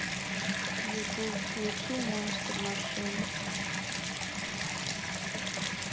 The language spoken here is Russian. ютуб включи монстр машину